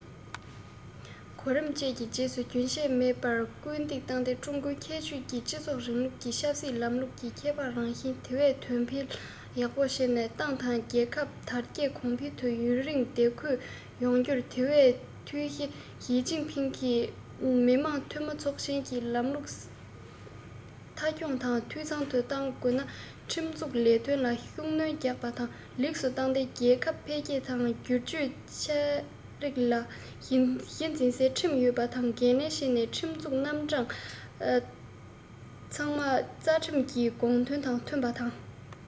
གོ རིམ ཅན བཅས སུ རྒྱུན ཆད མེད པར སྐུལ འདེད བཏང སྟེ ཀྲུང གོའི ཁྱད ཆོས ཀྱི སྤྱི ཚོགས རིང ལུགས ཀྱི ཆབ སྲིད ལམ ལུགས ཀྱི ཁྱད འཕགས རང བཞིན དེ བས འདོན སྤེལ ཡག པོ བྱས ནས ཏང དང རྒྱལ ཁབ དར རྒྱས གོང འཕེལ དང ཡུན རིང བདེ འཁོད ཡོང རྒྱུར དེ བས འཐུས ཞིས ཅིན ཕིང གིས མི དམངས འཐུས མི ཚོགས ཆེན གྱི ལམ ལུགས མཐའ འཁྱོངས དང འཐུས ཚང དུ གཏོང དགོས ན ཁྲིམས འཛུགས ལས དོན ལ ཤུགས སྣོན རྒྱག པ དང ལེགས སུ བཏང སྟེ རྒྱལ ཁབ འཕེལ རྒྱས དང སྒྱུར བཅོས ཆེ རིགས ལ གཞི འཛིན སའི ཁྲིམས ཡོད པའི འགན ལེན བྱས ནས ཁྲིམས འཛུགས རྣམ གྲངས ཚང མ རྩ ཁྲིམས ཀྱི དགོངས དོན དང མཐུན པ དང